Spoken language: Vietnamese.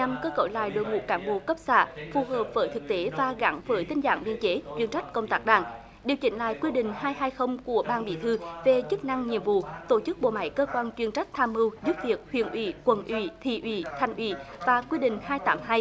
nhằm cơ cấu lại đội ngũ cán bộ cấp xã phù hợp với thực tế và gắn với tinh giảm biên chế chuyên trách công tác đảng điều chỉnh lại quy định hai hai không của ban bí thư về chức năng nhiệm vụ tổ chức bộ máy cơ quan chuyên trách tham mưu giúp việc huyện ủy quận ủy thị ủy thành ủy và quy định hai tám hai